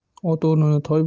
ot o'rnini toy